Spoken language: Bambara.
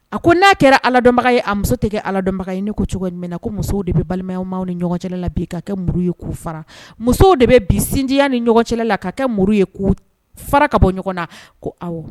A ko n'a kɛra aladɔnbaga ye a muso tɛ kɛ aladɔnbaga ye. Ne ko cogo jumɛn na ko musow de bɛ balimamaw ni ɲɔgɔn cɛla la bi ka kɛ muru ye k'u fara, musow de bɛ bi sinjiya ni ɲɔgɔn cɛla ka kɛ muru ye k'u fara ka bɔ ɲɔgɔn na. Ko awɔ